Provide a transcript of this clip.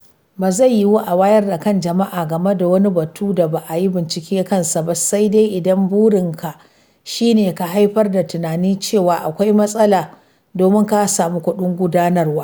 Ba zai yiwu a wayar da kan jama’a game da wani batu da ba a yi bincike kansa ba, sai dai idan burinka shi ne ka haifar da tunanin cewa akwai matsala domin ka samu kuɗin gudanarwa.